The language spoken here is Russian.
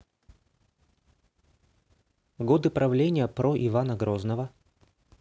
годы правления про ивана грозного